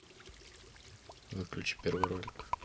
включи первый ролик